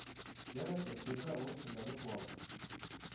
Янәсе, биредә «урыс теллеләрне» куалар,